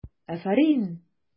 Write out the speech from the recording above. Афәрин!